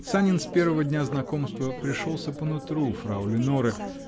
Санин с первого дня знакомства пришелся по нутру фрау Леноре